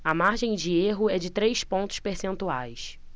a margem de erro é de três pontos percentuais